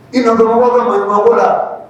I namɔgɔ ma ma mabɔ la